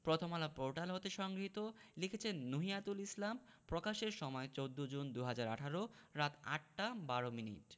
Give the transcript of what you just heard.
Prothom Alo portal হতে সংগৃহীত লিখেছেন নুহিয়াতুল ইসলাম প্রকাশের সময় ১৪জুন ২০১৮ রাত ৮টা ১২ মিনিট